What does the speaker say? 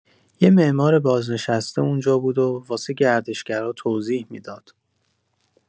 یه معمار بازنشسته اونجا بود و واسه گردشگرا توضیح می‌داد.